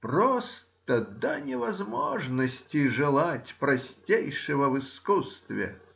Просто — до невозможности желать простейшего в искусстве